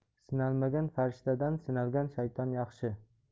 sinalmagan farishtadan sinalgan shayton yaxshi